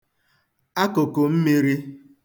akụ̀kụ̀ mmīrī